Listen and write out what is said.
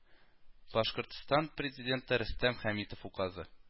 Башкортстан Президенты Рөстәм Хәмитов указы